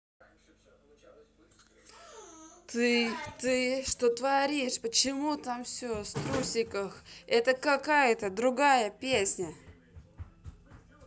ты ты что творишь почему там все струсиках это какая то другая песня